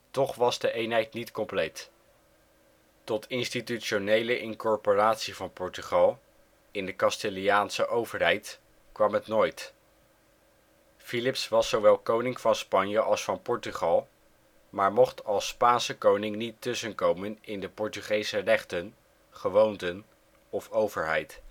Toch was de eenheid niet compleet. Tot institutionele incorporatie van Portugal in de Castiliaanse overheid kwam het nooit. Filips was zowel koning van Spanje als van Portugal, maar mocht als Spaanse koning niet tussenkomen in de Portugese rechten, gewoonten of overheid